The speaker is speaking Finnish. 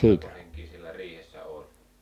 montako henkeä siellä riihessä oli